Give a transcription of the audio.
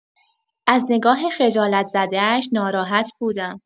از نگاه خجالت زدش ناراحت بودم.